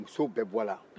muso bɛɛ bɔra